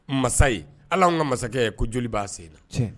Masa ye ala ka masakɛ ye ko joli b'a sen na